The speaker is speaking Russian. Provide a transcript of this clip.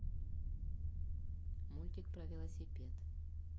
мультики про велосипед